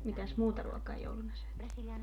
mitäs muuta ruokaa jouluna syötiin